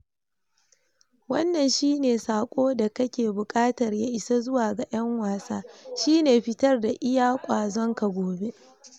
Wannan shi ne saƙo da kake buƙatar ya isa zuwa ga 'yan wasa, shi ne fitar da iya kwazon ka gobe.